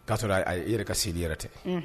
K y'a sɔrɔ a yɛrɛ ka seli yɛrɛ tɛ